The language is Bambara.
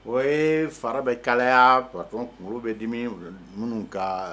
O ye fara bɛ kalaya tuma dɔ kunkolo bɛ dimi minnu kan